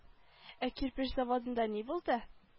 Ә кирпеч заводында ни булды